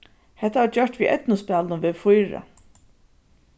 hetta varð gjørt við eydnuspælinum v4